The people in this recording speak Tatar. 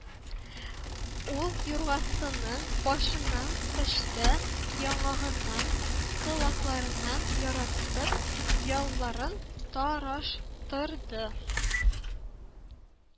Ул юргасының башыннан кочты, яңагыннан, колакларыннан яратып, ялларын тараш тырды